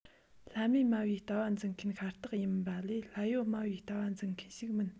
ལྷ མེད སྨྲ བའི ལྟ བ འཛིན མཁན ཤ སྟག ཡིན པ ལས ལྷ ཡོད སྨྲ བའི ལྟ བ འཛིན མཁན ཞིག མིན